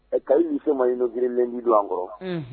Ɛ ka' se ma ɲɔirilendi don an kɔrɔ